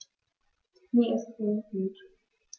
Mir ist ungut.